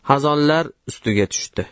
xazonlar ustiga tushdi